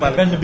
bëri na